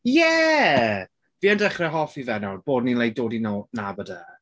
Ie fi yn dechrau hoffi fe nawr bod ni'n like dod i no- nabod e.